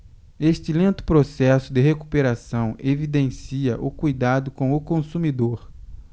este lento processo de recuperação evidencia o cuidado com o consumidor